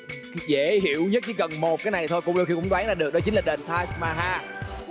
dễ hiểu nhất chỉ cần một cái này thôi cũng đoán được đây chính là đền tai ma ha